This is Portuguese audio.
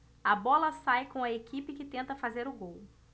a bola sai com a equipe que tenta fazer o gol